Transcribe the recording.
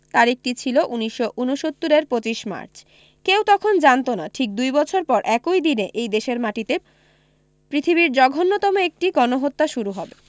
তারিখটি ছিল ১৯৬৯ এর ২৫ মার্চ কেউ তখন জানত না ঠিক দুই বছর পর একই দিনে এই দেশের মাটিতে পৃথিবীর জঘন্যতম একটি গণহত্যা শুরু হবে